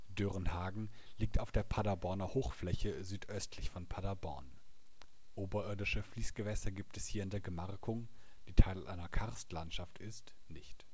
Dörenhagen liegt auf der Paderborner Hochfläche südöstlich von Paderborn. Oberirdische Fließgewässer gibt es hier in der Gemarkung, die Teil einer Karstlandschaft ist, nicht